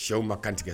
Se ma kantigɛ